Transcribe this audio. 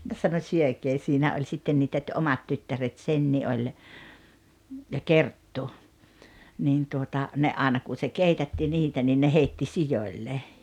ja sanoi syökää siinä oli sitten niitä - omat tyttäret Senni oli ja Kerttu niin tuota ne aina kun se keitätti niitä niin ne heitti sioille